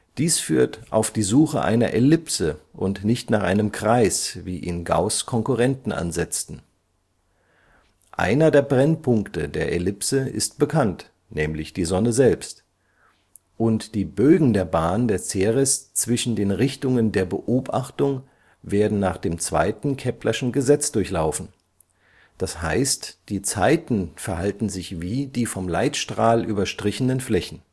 Dies führt auf die Suche einer Ellipse und nicht nach einem Kreis, wie ihn Gauß’ Konkurrenten ansetzten. Einer der Brennpunkte der Ellipse ist bekannt (die Sonne selbst), und die Bögen der Bahn der Ceres zwischen den Richtungen der Beobachtung werden nach dem zweiten Keplerschen Gesetz durchlaufen, das heißt, die Zeiten verhalten sich wie die vom Leitstrahl überstrichenen Flächen